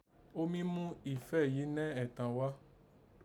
Ó mí mú ìfẹ́ yìí nẹ́ ẹ̀tàn ghá